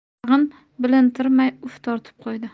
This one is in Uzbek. tag'in bilintirmay uf tortib qo'ydi